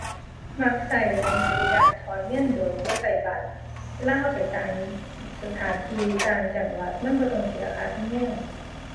มักใช้ อั่น บริการถอนเงินโดยบ่ใช้บัตร เวลาใช้ไปต่างสถานที่ ต่างจังหวัด มันบ่ต้องเสียค่าธรรมเนียม